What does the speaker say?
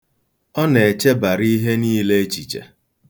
Ọ na-echebara ihe niile echiche.